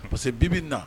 Parce que bi bin na